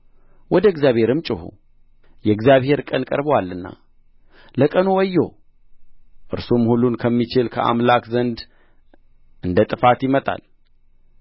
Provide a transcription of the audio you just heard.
ወደ እግዚአብሔርም ጩኹ የእግዚአብሔር ቀን ቀርቦአልና ለቀኑ ወዮ እርሱም ሁሉን ከሚችል ከአምላክ ዘንድ እንደ ጥፋት ይመጣል